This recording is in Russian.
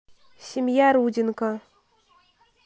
семья руденко